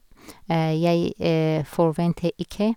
Jeg forvente ikke.